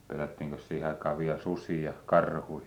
pelättiinkös siihen aikaan vielä susia ja karhuja